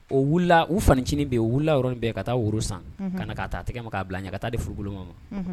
O wilila, o fa ncini bɛ ye. O wilila o yɔrɔni bɛ ka taa woro san. Unhun. Ka na ka taa tɛgɛ ma k'a bila a ɲɛ ka taa di furuboloma ma. Unhun!